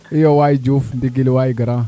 iyo waay Diouf ndigil lo de Grand